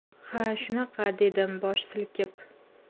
ha shunaqa dedim bosh silkib